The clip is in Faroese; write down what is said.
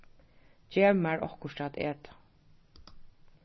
gev mær okkurt at eta